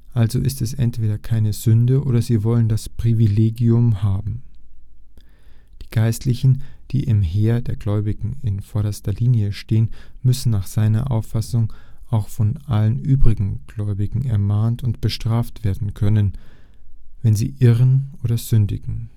also ist es entweder keine Sünde, oder sie wollen das Privilegium haben “. Die Geistlichen, die im Heer der Gläubigen in vorderster Linie stehen, müssen nach seiner Auffassung auch von allen übrigen Gläubigen ermahnt und bestraft werden können, wenn sie irren oder sündigen